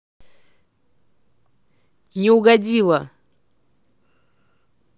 не угодила